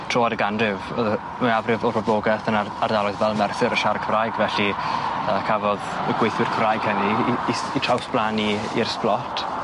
troad y ganrif o'dd yy mwyafrif o'r boblogeth yn ar- ardaloedd fel Merthyr y' siarad Cymraeg felly yy cafodd y gweithwyr Cyraeg hynny 'u 'u s- 'u trawsblannu i'r Sblot.